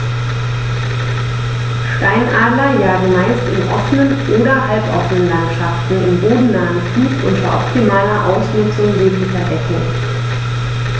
Steinadler jagen meist in offenen oder halboffenen Landschaften im bodennahen Flug unter optimaler Ausnutzung jeglicher Deckung.